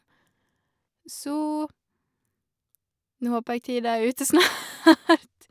Så nå håper jeg tida er ute snart.